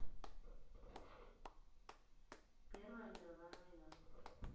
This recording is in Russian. первая мировая война